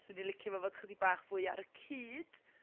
'swn i’n licio fo fod chydig bach fwy ar y cyd.